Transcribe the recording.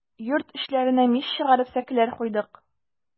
Йорт эчләренә мич чыгарып, сәкеләр куйдык.